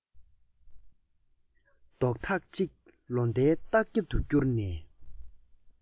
འདོགས ཐག ཅིག ལོ ཟླའི ལྟག རྒྱབ ཏུ བསྐྱུར ནས